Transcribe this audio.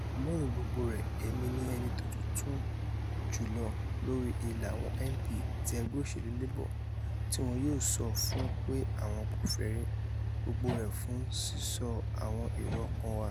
Lẹ́yìn gbogbo rẹ̀, Èmi ni ẹni tó tuntun jùlọ lórí ìlà àwọn MP ti ẹgbẹ́ òṣèlú Labour tíwọn yóò sọ fún pé àwọn kòfẹ́ rí - gbogbo rẹ̀ fún sísọ àwọn èrò ọkàn wa.